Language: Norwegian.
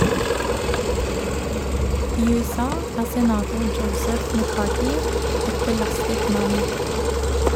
I USA er senator Joseph McCarthy et belastet navn.